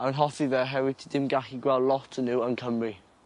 A wy'n hoffi fe oherwydd ti dim gallu gweld lot o n'w yn Cymru.